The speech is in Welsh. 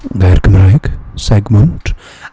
Gair Cymraeg, segmwnt.